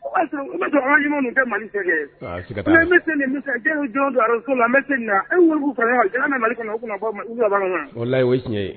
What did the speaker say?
O b'a sɔrɔ an ŋa jamana ɲɛmɔgɔ nunnu tɛ Mali fɛ kɛ aa sika t'a la mais n bi sen ne n bi sen jiɲɛ ma don o don radio so la n be se nin na hali munnu b'u fɛla la u kana na Mali kɔnɔ u kana bɔ ma u fɛ ba nana walahi o ye tiɲɛ ye